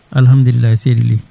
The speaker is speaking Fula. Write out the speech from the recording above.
alhamdulillahi seydi Ly